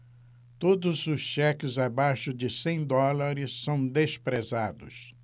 todos os cheques abaixo de cem dólares são desprezados